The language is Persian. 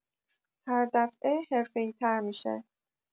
هردفعه حرفه‌ای‌تر می‌شه